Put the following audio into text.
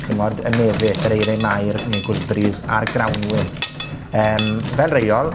chi 'mod y mefus yr eiryn Mair ne gooseberries a'r grawnwyn. Yym, fel reol,